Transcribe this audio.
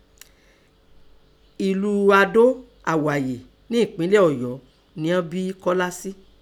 Elú Àdó àgháyè nẹ́ ẹpínlẹ̀ Ọ̀yọ́ niọ́n bí Kọ́lá sí.